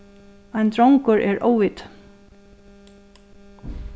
ein drongur er óviti